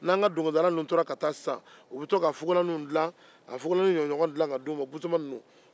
i bɛ to k'a fugulan ɲɔgɔnna dila k'a di an ka dɔnkilidalaw ma